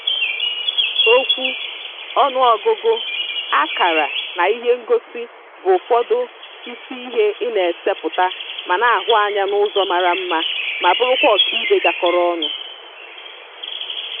OM: Okwu, ọnụọgụgụ, akara na ihengosi bụ ụfọdụ isi ihe ị na-esepụta ma na-ahụ anya n'ụzọ mara mma ma bụrụkwa ọkaibe gakọrọ onụ.